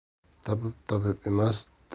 tabib tabib emas